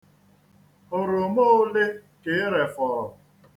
Oroma ole ka ị refọrọ?